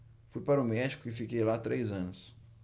fui para o méxico e fiquei lá três anos